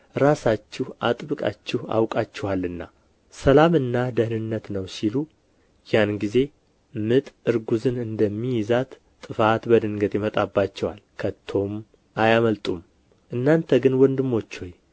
ራሳችሁ አጥብቃችሁ አውቃችኋልና ሰላምና ደኅንነት ነው ሲሉ ያን ጊዜ ምጥ እርጕዝን እንደሚይዛት ጥፋት በድንገት ይመጣባቸዋል ከቶም አያመልጡም እናንተ ግን ወንድሞች ሆይ